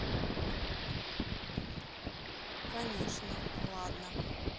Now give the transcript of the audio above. конечно ладно